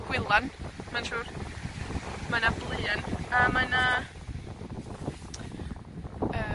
gwylan, mae'n siŵr. Mae 'na bluen, a mae 'na, yy,